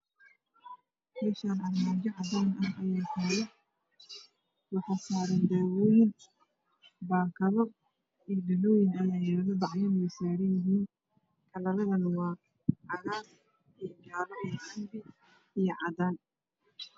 Meshaan armaajo cadaan eh ayaa taalo wax saran dawooyiin bakado iyo dhaloyin aya yaalo bacyane wey saran yihiin kalaradane waa cagaar jaale iyo dahi iyo cadaan